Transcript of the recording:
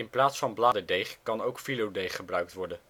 plaats van bladerdeeg kan ook filodeeg gebruikt worden